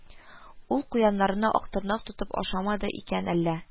Ул куяннарны Актырнак тотып ашадымы икән әллә